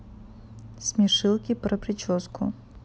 смешилки про прическу